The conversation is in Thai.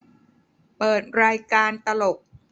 เปิดรายการตลก